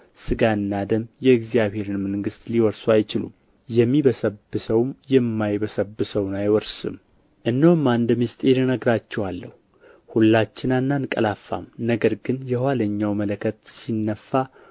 ሥጋና ደም የእግዚአብሔርን መንግሥት ሊወርሱ አይችሉም የሚበሰብሰውም የማይበሰብሰውን አይወርስም እነሆ አንድ ምሥጢር እነግራችኋለሁ ሁላችን አናንቀላፋም ነገር ግን የኋለኛው መለከት ሲነፋ